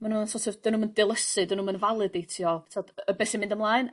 ma' nw yn sort of 'dyn nw'm yn dilysu 'dyn nw'm yn validatio t'd yy be' sy'n mynd ymlaen.